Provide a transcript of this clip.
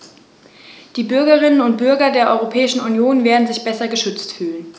Die Bürgerinnen und Bürger der Europäischen Union werden sich besser geschützt fühlen.